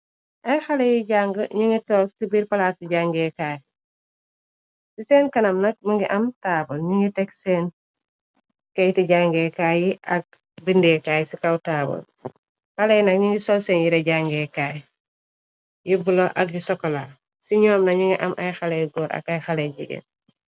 Ay xale yi jang ñu ngi toog ci biir palaat ci jangeekaay. Ci seen kanam nak mingi am taabal ñu ngi teg seen keyti jangeekaay yi ak bindéekaay ci kaw taabal. Xaley nak ñi ngi sol seen yire jangeekaay yé bula ak bu sokolaa. Ci ñyom na ñu ngi am ay xaley góor ak ay xaley jigeen.